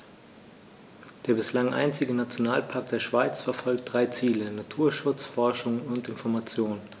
Der bislang einzige Nationalpark der Schweiz verfolgt drei Ziele: Naturschutz, Forschung und Information.